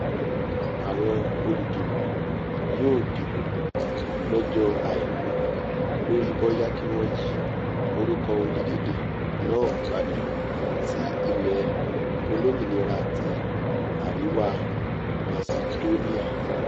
Àwọn olùdìbò yóò dìbò lọjọ Àìkú lórí bóyá kí wọn yí orúkọ orílẹ̀-èdè náà padà sí “Ilẹ̀ Olómìnira ti Àríwá Masidóníà.